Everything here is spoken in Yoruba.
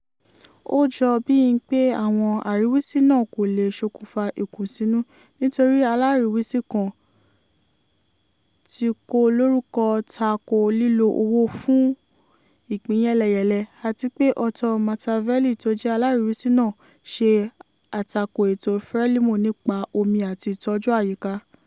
Ó jọ bíi pé àwọn àríwísí náà kò lè ṣòkùnfà ìkùnsínú , nítorí alariwisi kan ti kó lorukọ tako lílo owó fún ìpín-yẹ́lẹyẹ̀lẹ, àtí pé Artur Matavele tó jẹ́ aláríwísí náà ṣe àtakò ètò Frelimo nípa omi àti ìtọ́jú àyíká.